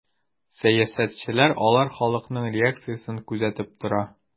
Сәясәтчеләр алар халыкның реакциясен күзәтеп тора.